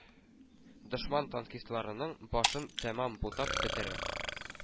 Дошман танкистларының башын тәмам бутап бетерә.